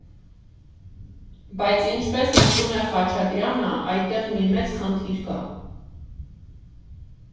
Բայց, ինչպես նշում է Խաչատրյանը, այդտեղ մի մեծ խնդիր կա.